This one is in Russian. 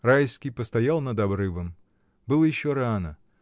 Райский постоял над обрывом: было еще рано